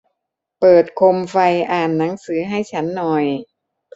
เปิดโคมไฟอ่านหนังสือให้ฉันหน่อย